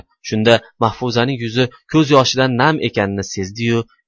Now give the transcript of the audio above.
shunda mahfuzaning yuzi ko'z yoshidan nam ekanini sezdi yu